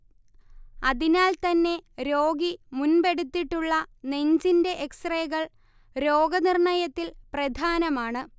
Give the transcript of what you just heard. അതിനാൽ തന്നെ രോഗി മുൻപെടുത്തിട്ടുള്ള നെഞ്ചിന്റെ എക്സ്റേകൾ രോഗനിർണയത്തിൽ പ്രധാനമാണ്